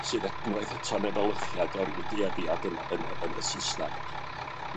sydd et- unwaith eto'n efelychiad o ryw dueddiad yn y yn y yn y Saesnag.